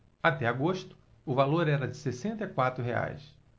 até agosto o valor era de sessenta e quatro reais